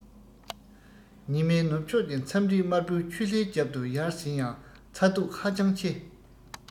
ཉི མས ནུབ ཕྱོགས ཀྱི མཚམས སྤྲིན དམར པོའི ཆུ ལྷའི རྒྱབ ཏུ ཡལ ཟིན ཡང ཚ གདུག ཧ ཅང ཆེ